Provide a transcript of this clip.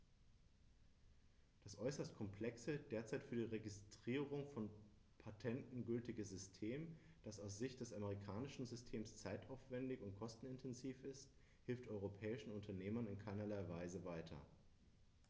Das äußerst komplexe, derzeit für die Registrierung von Patenten gültige System, das aus Sicht des amerikanischen Systems zeitaufwändig und kostenintensiv ist, hilft europäischen Unternehmern in keinerlei Weise weiter.